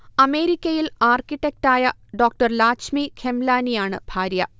അമേരിക്കയിൽ ആർകിടെക്ടായ ഡോ. ലാച്മി ഖെംലാനിയാണ് ഭാര്യ